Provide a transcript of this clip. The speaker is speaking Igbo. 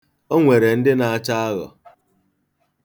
O nwere ndị na-acha aghọ.